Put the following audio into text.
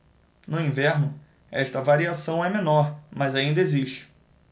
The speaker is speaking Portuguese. no inverno esta variação é menor mas ainda existe